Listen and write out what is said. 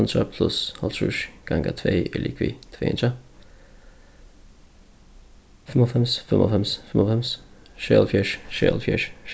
hundrað pluss hálvtrýss ganga tvey er ligvið tvey hundrað fimmoghálvfems fimmoghálvfems fimmoghálvfems sjeyoghálvfjerðs sjeyoghálvfjerðs